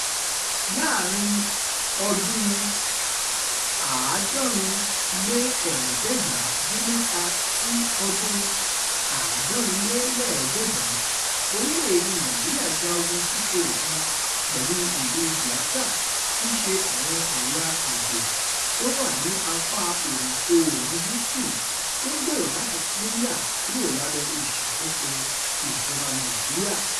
Láàárín 1967 sí 1970, orílẹ̀-èdèe Nàìjíríà ja ogun kíkorò kan pẹ̀lú ìlúu Biafra tí í ṣe àwọn ẹ̀yà Igbo tí ó wà ní apá ìlà-oòrùn gúúsù, tí ó ń gbèrò láti pín yà kúrò lábẹ́ ìṣàkóso ìjọba Nàìjíríà.